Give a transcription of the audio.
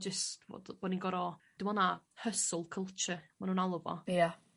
jyst fo' d- bo' ni'n gor'o' dwi me'wl na' hustle culture ma' nw'n alw fo. Ia.